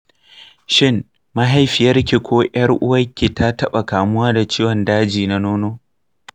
shin mahaifiyarki ko ‘yar uwarki ta taɓa kamuwa da ciwon daji na nono?